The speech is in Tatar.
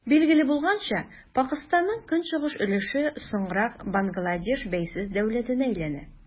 Билгеле булганча, Пакыстанның көнчыгыш өлеше соңрак Бангладеш бәйсез дәүләтенә әйләнә.